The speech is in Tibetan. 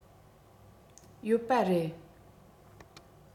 ཡོད པ རེད